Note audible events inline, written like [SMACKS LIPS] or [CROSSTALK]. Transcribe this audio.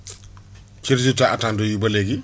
[SMACKS LIPS] ci résultats attendus yi ba léegi